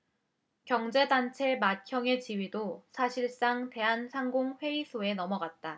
경제단체 맏형의 지위도 사실상 대한상공회의소에 넘어갔다